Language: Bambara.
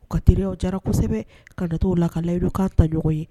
U ka terielilaw jara kosɛbɛ ka natɔ la ka layidukan ta ɲɔgɔn ye